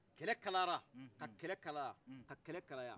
kɛlɛ kalayala ka kɛlɛ kalaya ka kɛlɛ kalaya